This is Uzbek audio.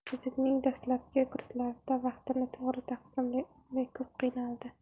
institutning dastlabki kurslarida vaqtni to'g'ri taqsimlay olmay ko'p qiynaldi